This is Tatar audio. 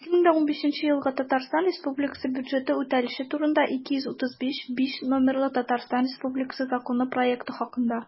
«2015 елгы татарстан республикасы бюджеты үтәлеше турында» 233-5 номерлы татарстан республикасы законы проекты хакында